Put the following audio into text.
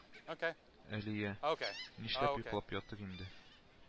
Әлия Нишләп йоклап ятыйк инде